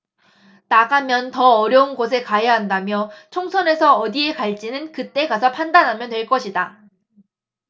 나가면 더 어려운 곳에 가야 한다며 총선에서 어디에 갈지는 그 때 가서 판단하면 될 것이다